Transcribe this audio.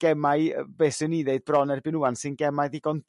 gemau be' swn i ddeud bron erbyn 'wan sy'n gema ddigon